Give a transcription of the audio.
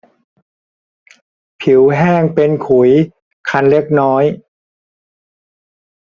ผิวแห้งเป็นขุยคันเล็กน้อย